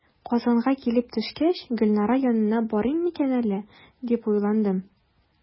Казанга килеп төшкәч, "Гөлнара янына барыйм микән әллә?", дип уйландым.